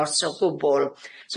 os o gwbwl.